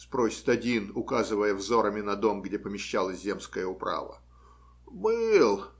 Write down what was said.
- спросит один, указывая взорами на дом, где помещалась земская управа. - Был!